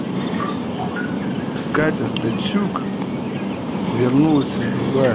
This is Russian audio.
катя стецюк вернулась из дубая